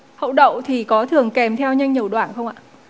hậu đậu thì có thường kèm theo nhanh nhẩu đoảng không ạ